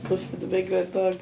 Clifford the Big Red Dog.